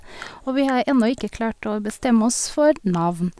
Og vi har ennå ikke klart å bestemme oss for navn.